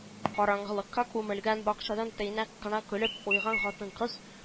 Караңгылыкка күмелгән бакчадан тыйнак кына көлеп куйган хатын-кыз